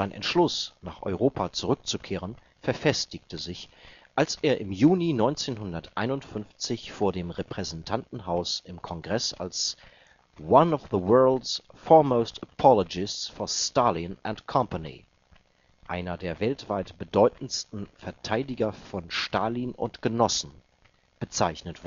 Entschluss, nach Europa zurückzukehren, verfestigte sich, als er im Juni 1951 vor dem Repräsentantenhaus im Kongress als „ one of the world’ s foremost apologists for Stalin and company “(einer der weltweit bedeutendsten Verteidiger von Stalin und Genossen) bezeichnet